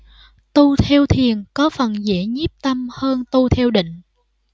tu theo thiền có phần dễ nhiếp tâm hơn tu theo định